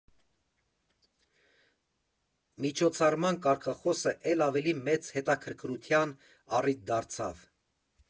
Միջոցառման կարգախոսը էլ ավելի մեծ հետաքրքրության առիթ դարձավ։